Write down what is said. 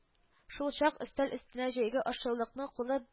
Шул чак өстәл өстенә җәйгән ашъяулыкны кулы